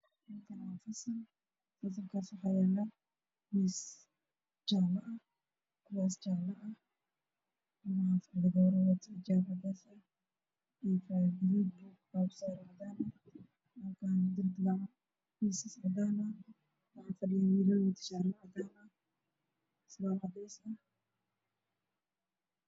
Hal kaani waa fasal fasalka waxaa yaalo miis jaale ah